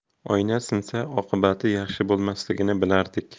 oyna sinsa oqibati yaxshi bo'lmasligini bilardik